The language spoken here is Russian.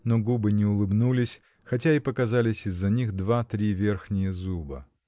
Но губы не улыбнулись, хотя и показались из-за них два-три верхние зуба.